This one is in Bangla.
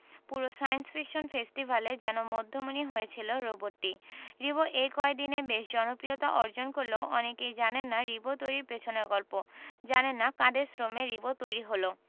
পুরো সায়েন্স ফিকশন ফেস্টিভ্যালে যেন মধ্যমণি হয়েছিল রোবটটি রিবো এই কয়দিনে বেশ জনপ্রিয়তা অর্জন করলেও অনেকেই জানেন না রিবো তৈরির পেছনের গল্প জানেন না কাদের শ্রমে রিবো তৈরি হলো